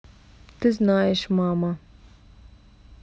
ты знаешь мама